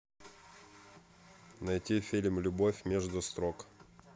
найди фильм любовь между строк